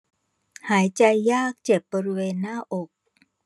หายใจยากเจ็บบริเวณหน้าอก